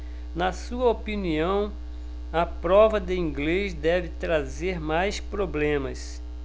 na sua opinião a prova de inglês deve trazer mais problemas